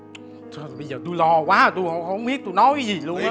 thật bây giờ tui lo quá tui hông hông biết tui nói gì luôn á